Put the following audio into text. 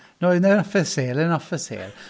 No, they're not for sale, they're not for sale.